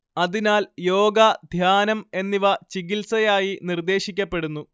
അതിനാൽ യോഗ ധ്യാനം എന്നിവ ചികിത്സയായി നിർദ്ദേശിക്കപ്പെടുന്നു